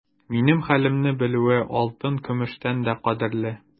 Минем хәлемне белүе алтын-көмештән дә кадерле.